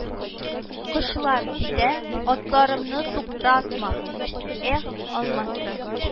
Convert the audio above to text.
Кошлар китә, Атларымны туктатмагыз, Эх, алмасы